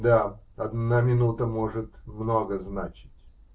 Да, одна минута может много значить.